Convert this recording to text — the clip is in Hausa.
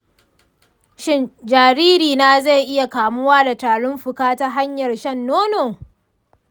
shin jariri na zai iya kamuwa da tarin fuka ta hanyar shan nono?